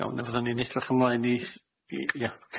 Iawn, a fyddan ni'n edrach ymlaen i i... Ia, ocê.